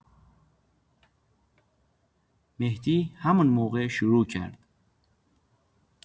مهدی همون موقع شروع کرد.